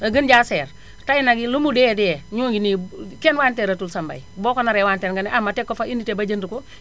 gën jaa cher tay nag lu mu dee dee ñoo ngi nii kenn wanteeratul sa mbay boo ko naree wanteer nga ni ah ma teg ko fa unité ba jënd ko